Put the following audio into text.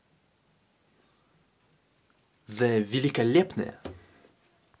the великолепное